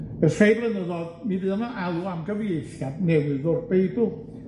Yn rhei blynyddodd, mi fuodd 'na alw am gyfieithiad newydd o'r Beibl.